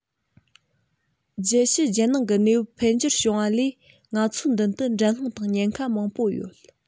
རྒྱལ ཕྱི རྒྱལ ནང གི གནས བབ འཕེལ འགྱུར བྱུང བ ལས ང ཚོའི མདུན དུ འགྲན སློང དང ཉེན ཁ མང པོ ཡོད